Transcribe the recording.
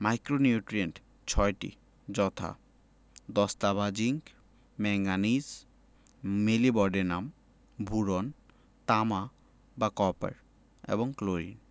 micronutrient ৬টি যথা দস্তা বা জিংক ম্যাংগানিজ মেলিবডেনাম বোরন তামা বা কপার এবং ক্লোরিন